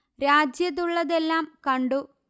രാജ്യത്തുള്ളതെല്ലാം കണ്ടു